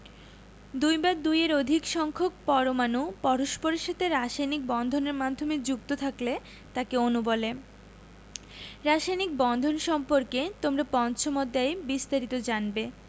দুই বা দুইয়ের অধিক সংখ্যক পরমাণু পরস্পরের সাথে রাসায়নিক বন্ধন এর মাধ্যমে যুক্ত থাকলে তাকে অণু বলে রাসায়নিক বন্ধন সম্পর্কে তোমরা পঞ্চম অধ্যায়ে বিস্তারিত জানবে